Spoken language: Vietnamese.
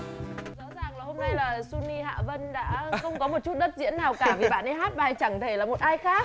rõ ràng là hôm nay là su ni hạ vân đã không có một chút đất diễn nào cả vì bạn ấy hát bài chẳng thể là một ai khác